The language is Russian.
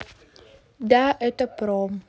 да это пром